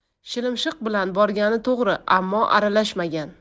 shilimshiq bilan borgani to'g'ri ammo aralashmagan